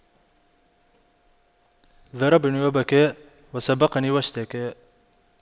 ضربني وبكى وسبقني واشتكى